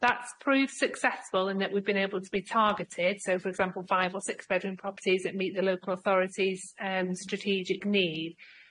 That's proved successful in that we've been able to be targeted, so for example five or six bedroom properties that meet the local authority's erm strategic need.